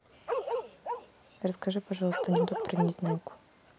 расскажи пожалуйста анекдот про незнайку